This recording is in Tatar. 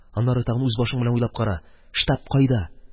Аннары тагын үз башың белән уйлап кара. Штаб кайда?